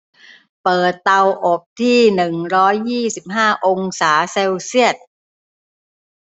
เปิดเตาอบที่หนึ่งร้อยยี่สิบห้าองศาเซลเซียส